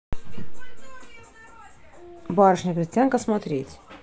барышня крестьянка смотреть